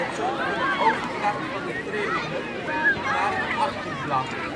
zorgt voor de overdracht van de trillingen naar het achterblad